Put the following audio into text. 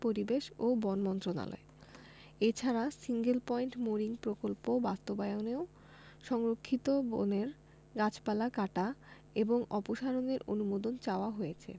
পরিবেশ ও বন মন্ত্রণালয় এছাড়া সিঙ্গেল পয়েন্ট মোরিং প্রকল্প বাস্তবায়নেও সংরক্ষিত বনের গাছপালা কাটা এবং অপসারণের অনুমোদন চাওয়া হয়েছে